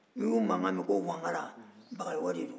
n'i y'u mankan mɛn ko wangara bagayɔgɔ de don